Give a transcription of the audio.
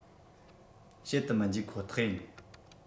བྱེད དུ མི འཇུག ཁོ ཐག ཡིན